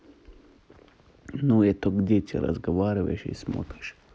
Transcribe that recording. ну это где ты разговариваешь и смотришь